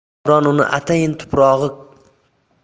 davron uni atayin tuprog'i